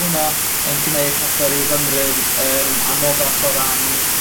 hwnna yn gneud petha ryw fymryn yn anoddach o ran